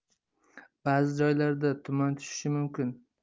ba'zi joylarga tuman tushishi mumkin